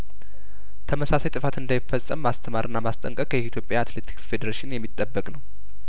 ተመሳሳይጥፋት እንዳይፈጽም ማስተማርና ማስጠንቀቅ ከኢትዮጵያ አትሌቲክስ ፌዴሬሽን የሚጠበቅ ነው